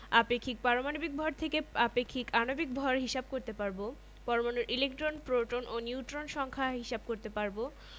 আইসোটোপের ব্যবহার ব্যাখ্যা করতে পারব পরমাণুর গঠন সম্পর্কে রাদারফোর্ড ও বোর পরমাণু মডেলের বর্ণনা করতে পারব রাদারফোর্ড ও বোর পরমাণু মডেলের মধ্যে কোনটি বেশি গ্রহণযোগ্য তা ব্যাখ্যা করতে পারব